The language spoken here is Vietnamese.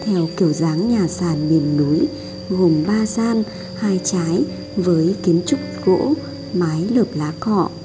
theo kiểu dáng nhà sàn miền núi gồm gian trái với kiến trúc gỗ mái lợp lá cọ